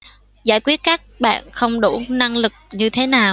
giải quyết các bạn không đủ năng lực như thế nào